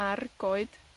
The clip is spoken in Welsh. ar goed